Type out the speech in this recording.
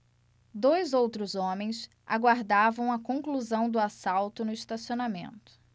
dois outros homens aguardavam a conclusão do assalto no estacionamento